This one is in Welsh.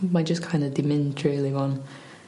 Mae jyst kin' o' 'di mynd rili 'wan.